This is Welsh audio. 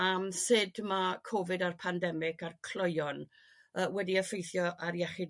am sud ma' cCovid a'r pandemig a'r cloeon yrr wedi effeithio ar iechyd